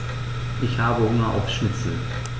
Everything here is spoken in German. Ich habe Hunger auf Schnitzel.